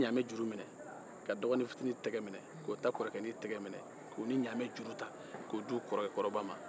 a ye ɲaamɛ juru minɛ ka dɔgɔnin fitinin tɛgɛ minɛ k'o dankan tɛgɛ minɛ k'u di kɔrɔkɛ kɔrɔba ma